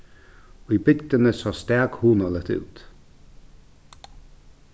í bygdini sá stak hugnaligt út